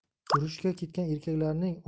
urushga ketgan erkaklarning og'ir